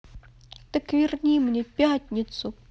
так верни мне пятницу